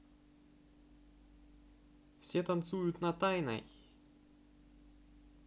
все танцуют на тайной